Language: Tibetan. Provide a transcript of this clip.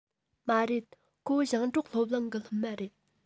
མ རེད ཁོ ཞིང འབྲོག སློབ གླིང གི སློབ མ རེད